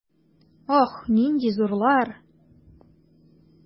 Ох, нинди зурлар!